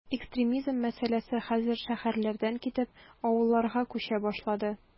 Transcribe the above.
Экстремизм мәсьәләсе хәзер шәһәрләрдән китеп, авылларга “күчә” башлады.